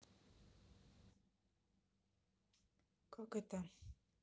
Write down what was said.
как это